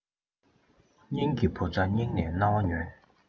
སྙིང གི བུ ཚོ སྙིང ནས རྣ བ ཉོན